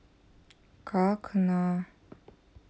как на